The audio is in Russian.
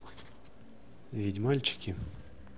ведь мальчики